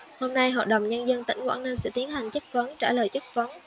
hôm nay hội đồng nhân dân tỉnh quảng ninh sẽ tiến hành chất vấn trả lời chất vấn